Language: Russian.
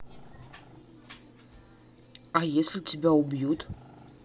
а если тебя убьют